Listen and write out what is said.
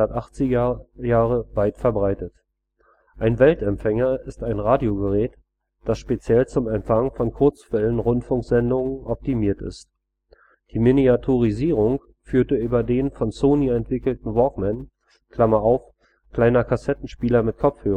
Jahre weit verbreitet. Ein Weltempfänger ist ein Radiogerät, das speziell zum Empfang von Kurzwellenrundfunksendungen optimiert ist. Die Miniaturisierung führte über den von Sony entwickelten Walkman (kleiner Kassettenspieler mit Kopfhörer